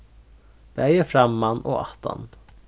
bæði framman og aftan